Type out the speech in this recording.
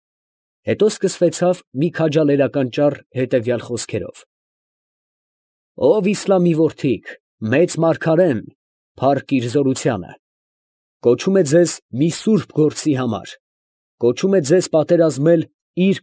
Հետո սկսվեցավ մի քաջալերական ճառ հետևյալ խոսքերով. «Ո՛վ Իսլամի որդիք, մեծ մարգարեն ֊ փա՜ռք իր զորությանը ֊ կոչում է ձեզ մի սուրբ գործի համար, կոչում է ձեզ պատերազմել իր։